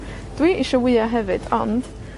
dwi isho eisiau fwya hefyd, ond,